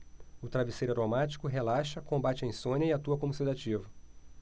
o travesseiro aromático relaxa combate a insônia e atua como sedativo